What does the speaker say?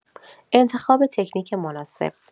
انتخاب تکنیک مناسب